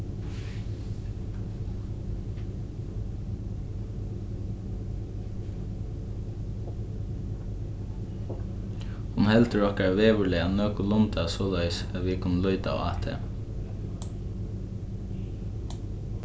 hon heldur okkara veðurlag nøkulunda soleiðis at vit kunnu líta á tað